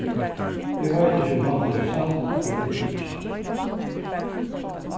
eg veit ikki um hatta er satt ella ikki